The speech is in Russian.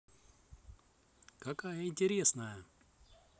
какая интересная